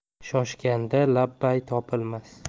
shoshganda labbay topilmas